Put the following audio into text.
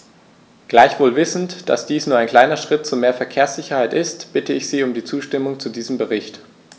Gleichwohl wissend, dass dies nur ein kleiner Schritt zu mehr Verkehrssicherheit ist, bitte ich Sie um die Zustimmung zu diesem Bericht.